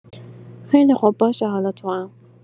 خیلی خب باشه حالا توام!